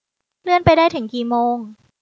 เลื่อนไปได้ถึงกี่โมง